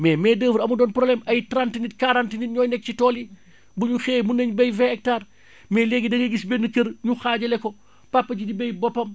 mais main d' oeuvre amutoon problème ay trante nit quarante nit ñooy nekk ci tool yi bu ñu xëyee mën nañ bay vingt hectares mais léegi da ngay gis benn kër ñu xaajale ko papa ji di bayal boppam